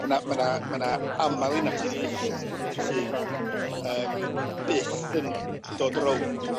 a 'na ma' 'na ma' 'na amal i naturiaethwr sy'n yym byth yn dod rownd